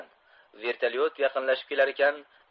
vertolyot yaqinlashib kelarkan